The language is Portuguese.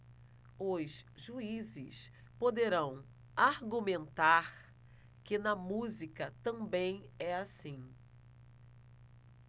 os juízes poderão argumentar que na música também é assim